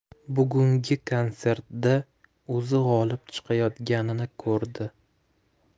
bugungi konsertda o'zi g'olib chiqayotganini ko'rdi